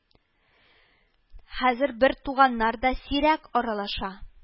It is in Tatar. Хәзер бертуганнар да сирәк аралаша